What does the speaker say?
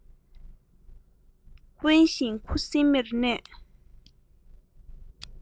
དབེན ཅིང ཁུ སུམ མེར གནས